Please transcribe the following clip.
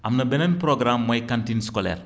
am na beneen programme mooy cantine scolaire